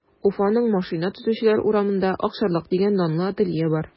Уфаның Машина төзүчеләр урамында “Акчарлак” дигән данлы ателье бар.